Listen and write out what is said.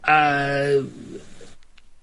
Yym.